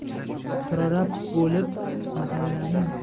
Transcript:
prorab bo'lib mahallaning